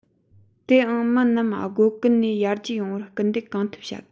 དེའང མི རྣམས སྒོ ཀུན ནས ཡར རྒྱས ཡོང བར སྐུལ འདེད གང ཐུབ བྱ དགོས